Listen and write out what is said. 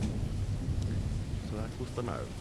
Så der koste jeg meg òg.